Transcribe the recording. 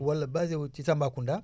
wala basé wu ci Tambacounda